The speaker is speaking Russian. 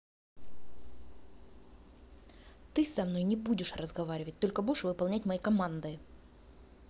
ты со мной не будешь разговаривать только будешь выполнять мои команды